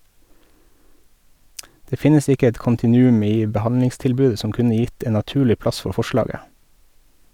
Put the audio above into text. Det finnes ikke et kontinuum i behandlingstilbudet som kunne gitt en naturlig plass for forslaget.